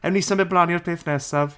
Ewn ni symud mlân i'r peth nesaf?